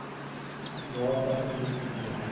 zotan u tushunsa